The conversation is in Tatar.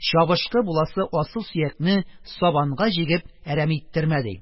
Чабышкы буласы асыл сөякне сабанга җигеп әрәм иттермә, - ди.